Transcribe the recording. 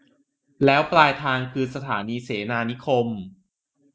แล้วปลายทางคือสถานีเสนานิคม